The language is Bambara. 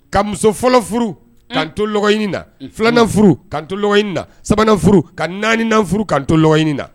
Ka muso fɔlɔ furu ka to na filanan furu kan lain na sabanan furu ka naani furu kan to lain na